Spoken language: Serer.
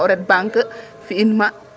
o ret banque fi in ma